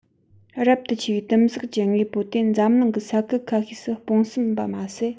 རབ ཏུ ཆེ བའི དིམ བསགས ཀྱི དངོས པོ དེ འཛམ གླིང གི ས ཁུལ ཁ ཤས སུ སྤུངས ཟིན པ མ ཟད